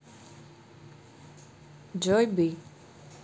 joy б